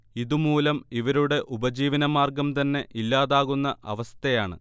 ഇതുമൂലം ഇവരുടെ ഉപജീവനമാർഗം തന്നെ ഇല്ലാതാകുന്ന അവസഥയാണ്